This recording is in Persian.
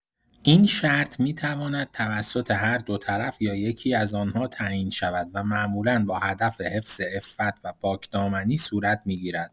این شرط می‌تواند توسط هر دو طرف یا یکی‌از آن‌ها تعیین شود و معمولا با هدف حفظ عفت و پاکدامنی صورت می‌گیرد.